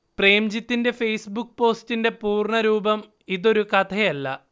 പ്രേംജിത്തിന്റെ Facebook പോസ്റ്റിന്റെ പൂർണ്ണരൂപം, ഇതൊരു കഥയല്ല